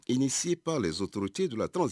I ni si'a la sotouru t'e don la dɔrɔn